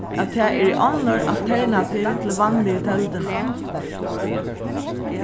at tað eru onnur alternativ til vanligu telduna